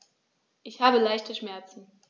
Ich habe leichte Schmerzen.